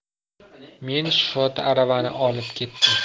men shoti aravani olib ketdim